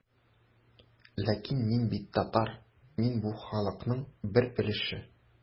Ләкин мин бит татар, мин бу халыкның бер өлеше.